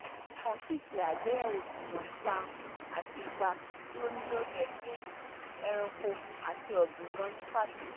Wọn ò tíì ṣe àgbéyẹ̀wò ìwọ̀n ìparun àti ipa tí ó ní lórí ẹ̀mí èèyàn, ẹranko àti ọ̀gbìn gan ní pàtó.